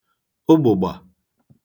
ụgbụ̀gbà